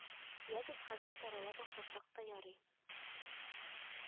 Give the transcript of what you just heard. Ягез, хәзер тарала башласак та ярый